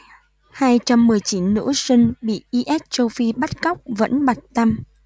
hai trăm mười chín nữ sinh bị i s châu phi bắt cóc vẫn bặt tăm